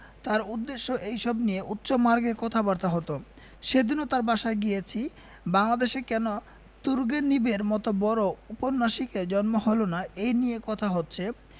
তার উদ্দেশ্য এইসব নিয়ে উচ্চমার্গের কথাবার্তা হত সেদিনও তার বাসায় গিয়েছি বাংলাদেশে কেন তুর্গেনিভের মত বড় উপন্যাসিকের জন্ম হল না এই নিয়ে কথা হচ্ছে